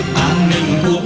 đường